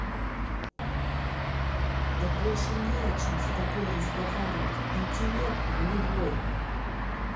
да больше не о чем с тобой разговаривать интеллект нулевой